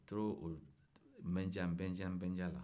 ale tora o n-bɛ-n-diya n-bɛ-n-diya n-bɛ-n-diya la